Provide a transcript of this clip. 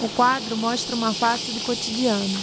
o quadro mostra uma face do cotidiano